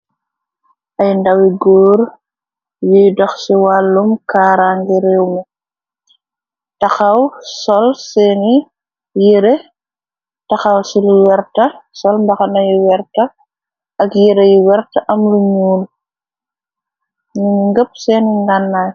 Ay ndawi goor yuy dox ci wàllum kaara ngi réew mi taxaw ci lu yerta sol mbaxa na yu werta ak yere yu werta am lu ñuun ñunu ngepp seeni ngannaay.